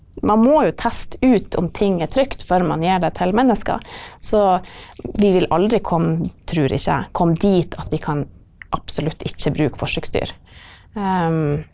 man må jo teste ut om ting er trygt før man gir det til mennesker, så vi vil aldri komme trur ikke jeg komme dit at vi kan absolutt ikke bruke forsøksdyr .